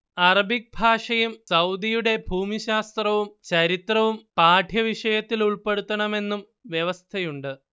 Arabic ഭാഷയും സൗദിയുടെ ഭൂമിശാസ്ത്രവും ചരിത്രവും പാഠ്യവിഷയത്തിലുൾപ്പെടുത്തണമെന്നും വ്യവസ്ഥയുണ്ട്